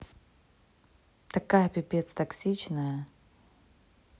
такая пипец токсичная